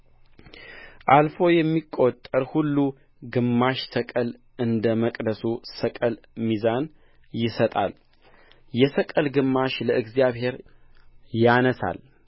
አልፎ የሚቈጠር ሁሉ ግማሽ ሰቅል እንደ መቅደሱ ሰቅል ሚዛን ይሰጣል የሰቅል ግማሽ ለእግዚአብሔር ያነሣል